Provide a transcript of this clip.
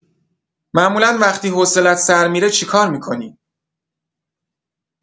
معمولا وقتی حوصله‌ات سر می‌ره چی کار می‌کنی؟